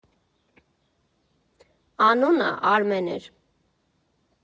Անունը Արմեն էր։